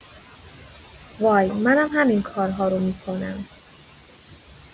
وای، منم همین کارها رو می‌کنم.